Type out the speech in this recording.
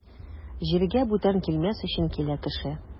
Җиргә бүтән килмәс өчен килә кеше.